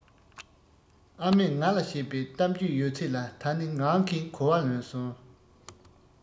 ཨ མས ང ལ བཤད པའི གཏམ རྒྱུད ཡོད ཚད ལ ད ནི ངང གིས གོ བ ལོན སོང